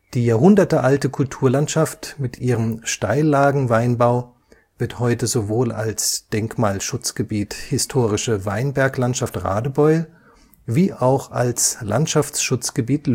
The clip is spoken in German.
Die jahrhundertealte Kulturlandschaft mit ihrem Steillagenweinbau wird heute sowohl als Denkmalschutzgebiet Historische Weinberglandschaft Radebeul wie auch als Landschaftsschutzgebiet